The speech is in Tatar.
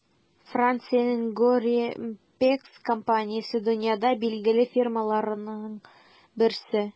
Франциянең Gorimpex компаниясе - дөньяда билгеле фирмаларның берсе.